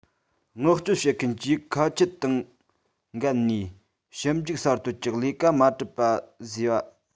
མངགས བཅོལ བྱེད མཁན གྱིས ཁ ཆད དང འགལ ནས ཞིབ འཇུག གསར གཏོད ཀྱི ལས ཀ མ གྲུབ པ བཟོས པ